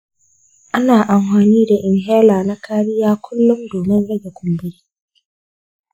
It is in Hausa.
ana amfani da inhaler na kariya kullum domin rage kumburi.